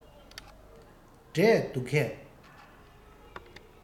འབྲས འདུག གས